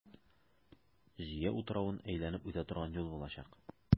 Зөя утравын әйләнеп үтә торган юл булачак.